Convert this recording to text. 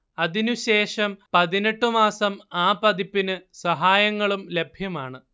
അതിനു ശേഷം പതിനെട്ട് മാസം ആ പതിപ്പിന് സഹായങ്ങളും ലഭ്യമാണ്